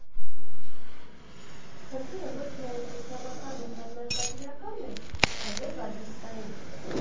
Խնդիրը ոչ միայն սոցիալական ու ձեռնարկատիրական է, այլև արվեստային։